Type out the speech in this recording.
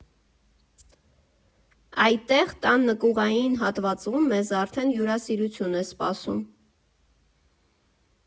Այդտեղ՝ տան նկուղային հատվածում, մեզ արդեն հյուրասիրություն է սպասում։